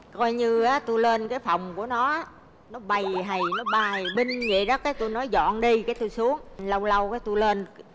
coi như ớ tui lên cái phòng của nó nó bầy hày nó bài binh dậy đó cái tui nói dọn đi cái tui xuống lâu lâu cái tui lơn